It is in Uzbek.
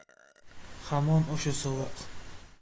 hamon o'sha sovuq